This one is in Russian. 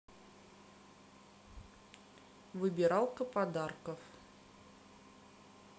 выбиралка подарков